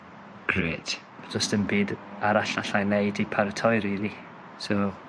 Grêt. Do's dim byd arall allai neud i paratoi rili so...